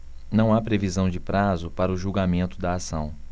não há previsão de prazo para o julgamento da ação